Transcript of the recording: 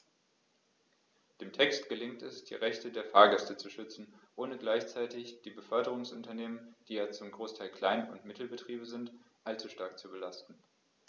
Dem Text gelingt es, die Rechte der Fahrgäste zu schützen, ohne gleichzeitig die Beförderungsunternehmen - die ja zum Großteil Klein- und Mittelbetriebe sind - allzu stark zu belasten.